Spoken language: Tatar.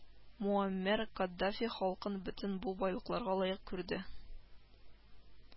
Муаммәр Каддафи халкын бөтен бу байлыкларга лаек күрде